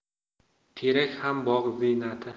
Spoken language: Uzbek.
terak ham bog' ziynati